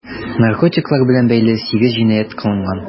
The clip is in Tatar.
Наркотиклар белән бәйле 8 җинаять кылынган.